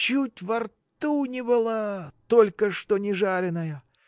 чуть во рту не была, только что не жареная!